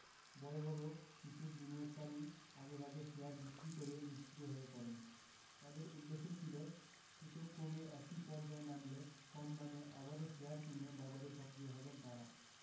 বড় বড় কিছু বিনিয়োগকারী আগেভাগে শেয়ার বিক্রি করে নিষ্ক্রিয় হয়ে পড়েন তাঁদের উদ্দেশ্য ছিল সূচক কমে একটি পর্যায়ে নামলে কম দামে আবারও শেয়ার কিনে বাজারে সক্রিয় হবেন তাঁরা